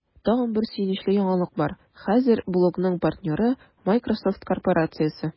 Тагын бер сөенечле яңалык бар: хәзер блогның партнеры – Miсrosoft корпорациясе!